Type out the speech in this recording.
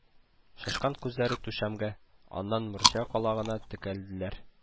Шашкан күзләре түшәмгә, аннан морҗа калагына текәлделәр